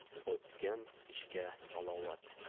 'tgan ishga salovat